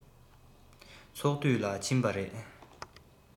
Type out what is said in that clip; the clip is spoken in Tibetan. ཚོགས འདུལ ལ ཕྱིན པ རེད